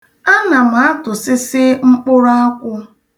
Ana m atụsịsị mkpụrụ akwụ.